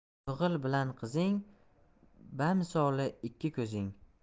o'g'il bilan qizing bamisoli ikki ko'zing